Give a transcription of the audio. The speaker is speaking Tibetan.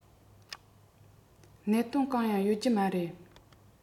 གནད དོན གང ཡང ཡོད ཀྱི མ རེད